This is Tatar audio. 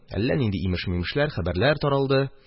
Әллә нинди имеш-мимеш хәбәрләр таралды.